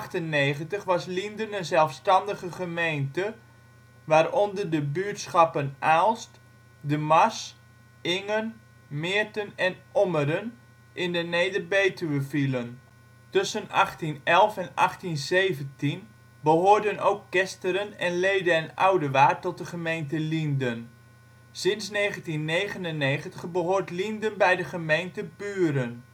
Van 1811-1998 was Lienden een zelfstandige gemeente, waaronder de buurtschappen Aalst, De Marsch, Ingen, Meerten en Ommeren in de Neder-Betuwe vielen. Tussen 1811 en 1817 behoorden ook Kesteren, Lede en Oudewaard tot de gemeente Lienden. Sinds 1999 behoort Lienden bij de gemeente Buren